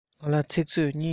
ང ལ ཚིག མཛོད གཉིས ཡོད